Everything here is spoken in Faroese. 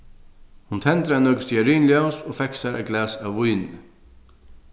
hon tendraði nøkur stearinljós og fekk sær eitt glas av víni